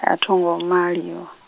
a tho ngo maliwa.